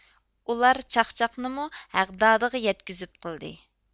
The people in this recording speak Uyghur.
ئۇلار چاقچاقنىمۇ ھەغدادىغا يەتكۈزۈپ قىلدى